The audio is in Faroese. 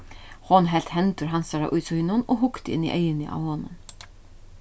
hon helt hendur hansara í sínum og hugdi inn í eyguni á honum